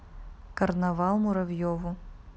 карнавал муравьеву